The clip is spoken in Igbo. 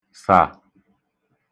sà